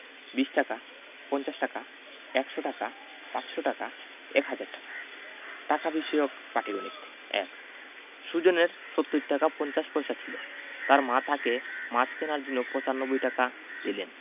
২০ টাকা ৫০ টাকা ১০০ টাকা ৫০০ টাকা ১০০০ টাকা টাকা বিষয়ক পাটিগনিতঃ ১ সুজনের ৭০ টাকা ৫০ পয়সা ছিল তার মা তাকে মাছ কেনার জন্য ৯৫ টাকা দিলেন